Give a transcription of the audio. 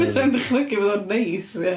Fedra i'm dychmygu fod o'n neis, ia!